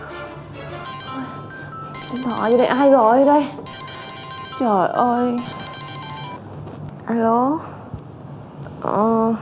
điện thoại kìa ai gọi đây trời ơi a lô ờ